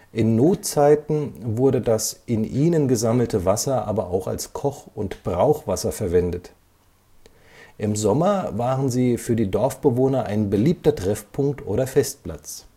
In Notzeiten wurde das in ihnen gesammelte Wasser aber auch als Koch - und Brauchwasser verwendet. Im Sommer waren sie für die Dorfbewohner ein beliebter Treffpunkt oder Festplatz